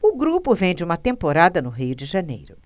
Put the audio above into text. o grupo vem de uma temporada no rio de janeiro